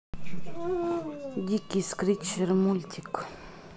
дикие скричеры мультик